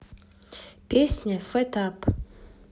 песня фэт ап